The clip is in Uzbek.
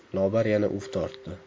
lobar yana uf tortdi